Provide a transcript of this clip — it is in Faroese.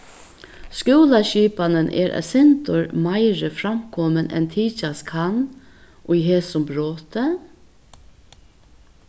skúlaskipanin er eitt sindur meiri framkomin enn tykjast kann í hesum broti